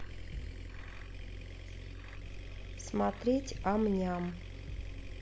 смотреть ам ням